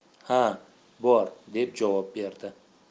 ha bor deb javob berdi